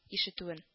Ишетүен